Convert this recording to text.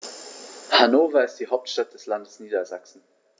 Hannover ist die Hauptstadt des Landes Niedersachsen.